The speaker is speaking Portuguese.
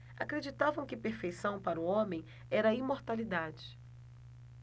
acreditavam que perfeição para o homem era a imortalidade